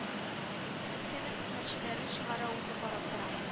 Көлсә дә хезмәтчеләрен чыгара үзе карап тора